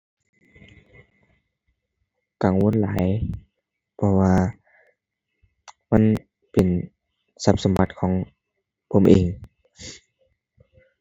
กังวลหลาย เพราะว่ามันเป็นทรัพย์สมบัติของผมเอง